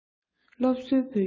སློབ གསོའི བོད སྐྱོར